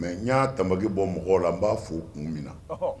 Mɛ n y'a tabaki bɔ mɔgɔ la n b'a fo kun min na